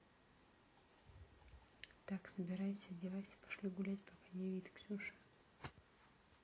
так собирайся одевайся пошли гулять пока не видит ксюша